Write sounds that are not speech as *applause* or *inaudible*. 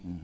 *hesitation* *hesitation*